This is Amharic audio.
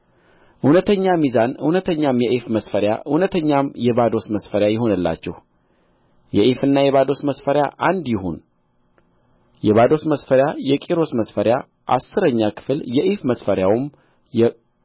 እውነተኛ ሚዛን እውነተኛም የኢፍ መስፈሪያ እውነተኛውም የባዶስ መስፈሪያ ይሁንላችሁ የኢፍና የባዶስ መስፈሪያ አንድ ይሁን የባዶስ መስፈሪያ